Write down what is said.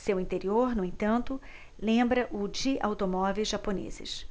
seu interior no entanto lembra o de automóveis japoneses